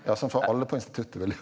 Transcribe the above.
ja sant for alle på instituttet ville jo.